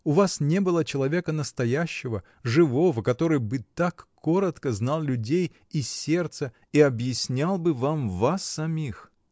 У вас не было человека настоящего, живого, который бы так коротко знал людей и сердце и объяснял бы вам вас самих.